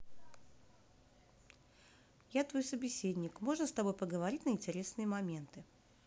я твой собеседник можно с тобой поговорить на интересные моменты